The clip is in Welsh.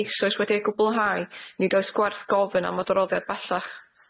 eisoes wedi'i gwblhau nid oes gwerth gofyn am adroddiad bellach.